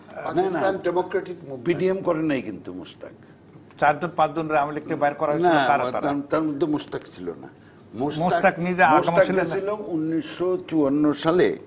Pakistan democratic movement PDM করেন নাই কিন্তু মোস্তাক চারজন পাঁচজন রে আওয়ামী লীগ থেকে বের করা হয়েছিল তারমধ্যে না তার মধ্যে মোশতাক ছিল না মোস্তাক নিজে মোস্তাক ছিল 1954 সালে